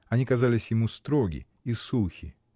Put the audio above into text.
Они казались ему строги и сухи.